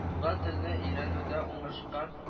Туган телне өйрәнүдә уңышка